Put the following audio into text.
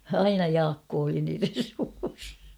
aina Jaakko oli niiden suussa